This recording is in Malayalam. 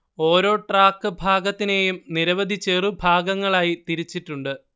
ഓരോ ട്രാക്ക് ഭാഗത്തിനെയും നിരവധി ചെറു ഭാഗങ്ങളായി തിരിച്ചിട്ടുണ്ട്